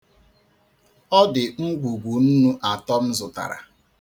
Ọ dị ngwugwu nnu atọ m zụtara.